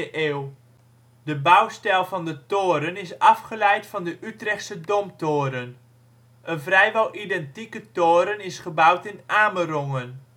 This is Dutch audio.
17de eeuw. De bouwstijl van de toren afgeleid van de Utrechtse Domtoren. Een vrijwel identieke toren is gebouwd in Amerongen